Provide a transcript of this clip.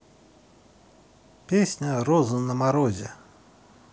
песня розы на морозе